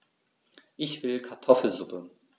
Ich will Kartoffelsuppe.